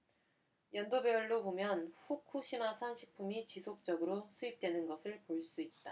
연도별로 보면 후쿠시마산 식품이 지속적으로 수입되는 것을 볼 수 있다